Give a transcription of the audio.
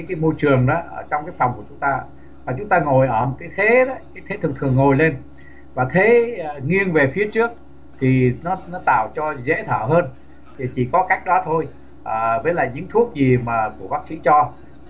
cái môi trường đó ở trong cái phòng của chúng ta và chúng ta ngồi ở cái thế đó cái thế thường thường ngồi lên và thế nghiêng về phía trước thì nó tạo cho dễ thở hơn thì chỉ có cách đó thôi à với lại những thuốc gì mà của bác sĩ cho